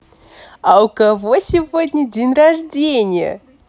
а у кого сегодня день рождения